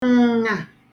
nṅà